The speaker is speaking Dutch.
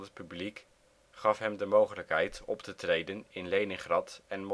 publiek gaf hem de mogelijkheid op te treden in Leningrad en